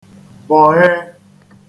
bọ̀ghe